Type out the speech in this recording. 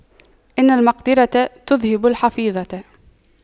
إن المقْدِرة تُذْهِبَ الحفيظة